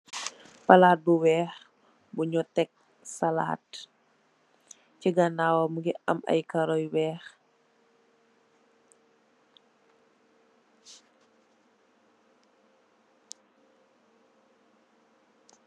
Palat bu wèèx bu ñu tèg salaat. Ci ganaw wam mugii am ay karó yu wèèx.